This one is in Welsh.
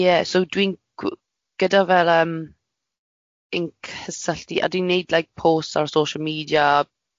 ...ie so dwi'n g- gyda fel yym inc- cysylltu a dwi'n wneud like posts ar social media,